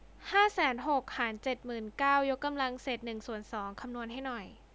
ห้าแสนหกหารเจ็ดหมื่นเก้ายกกำลังเศษหนึ่งส่วนสองคำนวณให้หน่อย